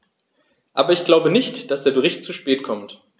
Aber ich glaube nicht, dass der Bericht zu spät kommt.